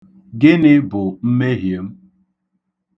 Gịnị bụ mmehie m?